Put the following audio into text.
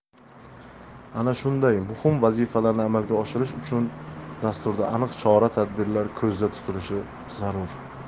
ana shunday muhim vazifalarni amalga oshirish uchun dasturda aniq chora tadbirlar ko'zda tutilishi zarur